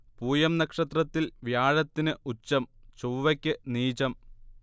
പൂയം നക്ഷത്രത്തിൽ വ്യഴത്തിന് ഉച്ചം ചൊവ്വയ്ക്ക് നീചം